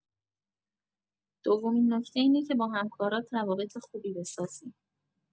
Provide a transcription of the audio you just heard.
دومین نکته اینه که با همکارات روابط خوبی بسازی.